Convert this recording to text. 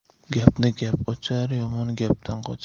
gapni gap ochar yomon gapdan qochar